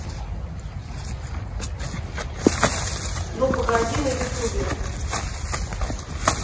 ну погоди на ютубе